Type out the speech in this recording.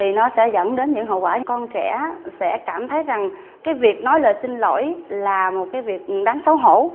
thì nó sẽ dẫn đến những hậu quả con trẻ sẽ cảm thấy rằng cái việc nói lời xin lỗi là một cái việc đáng xấu hổ